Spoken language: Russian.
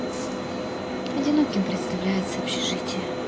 одиноким предоставляется общежитие